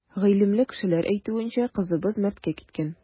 Гыйлемле кешеләр әйтүенчә, кызыбыз мәрткә киткән.